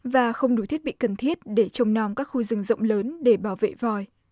và không đủ thiết bị cần thiết để trông nom các khu rừng rộng lớn để bảo vệ voi